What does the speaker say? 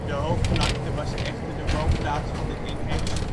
hoogvlakte was echter de woonplaats van de inheemse